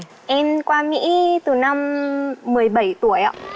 em qua mỹ từ năm mười bảy tuổi ạ